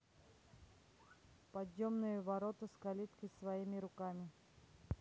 подъемные ворота с калиткой своими руками